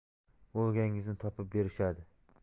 volgangizni topib berishadi